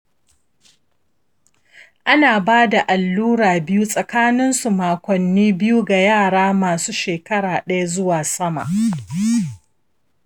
ana ba da allurai biyu tsakanin su makonni biyu ga yara masu shekara ɗaya zuwa sama.